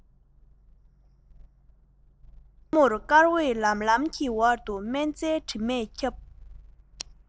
མཚན མོར སྐར འོད ལམ ལམ གྱི འོག ཏུ སྨན རྩྭའི དྲི མས ཁྱབ